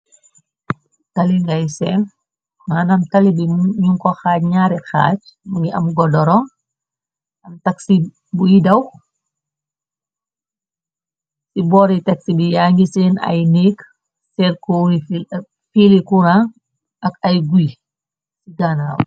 Tali ngay seen maanam talibi ñu ko xaaj ñaari xaaj mungi am godoro am taxi bu yidaw ci boori taxi bi yaa ngi seen ay nék circur filikuran ak ay guy ci gannaaw.